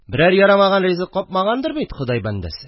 – берәр ярамаган ризык капмагандыр бит ходай бәндәсе